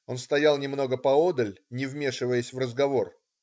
Он стоял немного поодаль, не вмешиваясь в разговор.